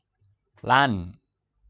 ลั่น